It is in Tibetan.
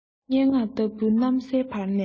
སྙན ངག ལྟ བུའི གནམ སའི བར ནས